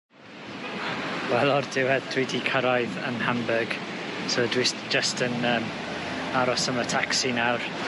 Wel o'r diwedd dwi 'di cyrraedd yn Hamburg so dwi s- jyst yn yym aros am y tacsi nawr.